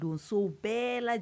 Dorosow bɛɛ lajɛlen